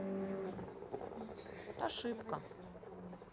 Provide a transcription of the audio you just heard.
ошибка